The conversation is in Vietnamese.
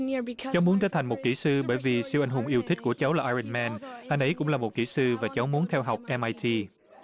cháu muốn trở thành một kỹ sư bởi vì siêu anh hùng yêu thích của cháu là ai rôn men anh ấy cũng là một kỹ sư và cháu muốn theo học em ai ti